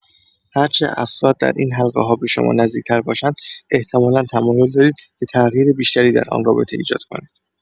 هرچه افراد در این حلقه‌ها به شما نردیک‌تر باشند، احتمالا تمایل دارید که تغییر بیشتری در آن رابطه ایجاد کنید.